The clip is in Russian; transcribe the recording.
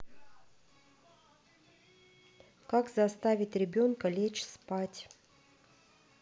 как заставить ребенка лечь спать